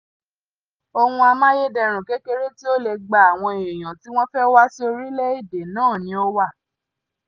Ohun amáyédẹrùn kékeré tí ó lè gba àwọn èèyàn tí wọ́n fẹ́ wá sí orílẹ̀-èdè náà ni ó wà.